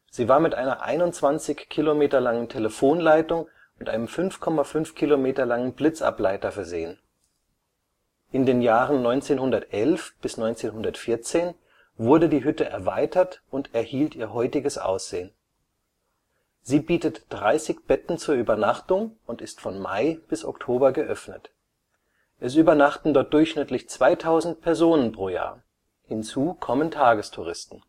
Sie war mit einer 21 Kilometer langen Telefonleitung und einem 5,5 km langen Blitzableiter versehen. In den Jahren 1911 bis 1914 wurde die Hütte erweitert und erhielt ihr heutiges Aussehen. Sie bietet 30 Betten zur Übernachtung und ist von Mai bis Oktober geöffnet. Es übernachten dort durchschnittlich 2000 Personen pro Jahr, hinzu kommen Tagestouristen